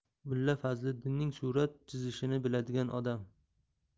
mulla fazliddinning surat chizishini biladigan odam